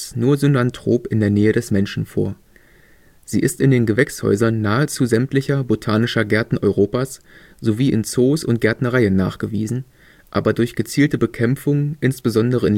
nur synanthrop in der Nähe des Menschen vor. Sie ist in den Gewächshäusern nahezu sämtlicher botanischer Gärten Europas sowie in Zoos und Gärtnereien nachgewiesen, aber durch gezielte Bekämpfung insbesondere